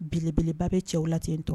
Belebeleba bɛ cɛw la ten tɔ